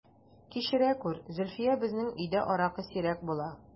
Кичерә күр, Зөлфия, безнең өйдә аракы сирәк була...